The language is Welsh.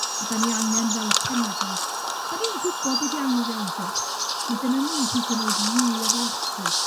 a 'dan ni angen fel cenedl 'dan ni'n gwbo be' 'di angyfiawnder ma' gynno ni hyd yn oed mwy o ddyletswydd